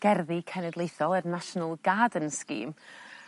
gerddi cenedlaethol yr National Garden Scheme